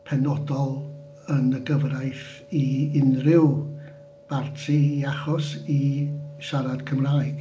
Penodol yn y gyfraith i unrhyw barti i achos i siarad Cymraeg.